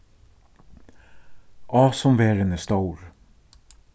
á sum verðin er stór